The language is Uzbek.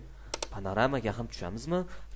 panoramaga ham tushamizmi